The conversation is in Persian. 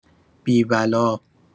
بی بلا